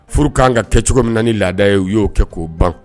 Furu kan ka kɛ cogomin ni laada ye u y'o kɛ k'o ban